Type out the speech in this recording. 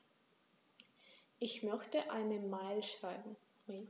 Ich möchte eine Mail schreiben.